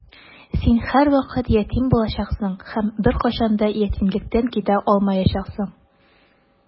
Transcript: Син һәрвакыт ятим булачаксың һәм беркайчан да ятимлектән китә алмаячаксың.